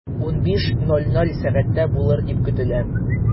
15.00 сәгатьтә булыр дип көтелә.